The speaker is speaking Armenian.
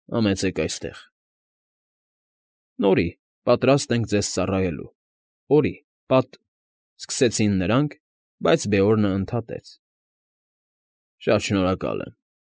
Համեցեք այստեղ։ ֊ Նորի՝ պատրաստ ձեզ ծառայելու, Օրի՝ պատ…֊ սկսեցին նրանք, բայց Բեորնը ընդհատեց. ֊ Շատ շնորհակալ եմ։